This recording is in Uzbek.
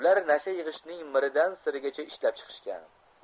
ular nasha yigishning miridan sirigacha ishlab chiqishgan